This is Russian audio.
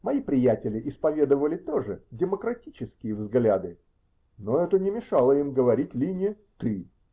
Мои приятели исповедовали тоже демократические взгляды, но это не мешало им говорить Лине "ты".